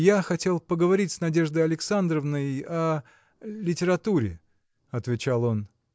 – Я хотел поговорить с Надеждой Александровной о. литературе, – отвечал он.